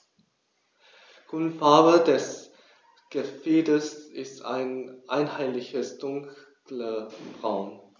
Grundfarbe des Gefieders ist ein einheitliches dunkles Braun.